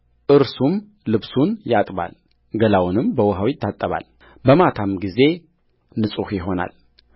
እርሱም ልብሱን ያጥባል ገላውንም በውኃ ይታጠባል በማታም ጊዜ ንጹሕ ይሆናል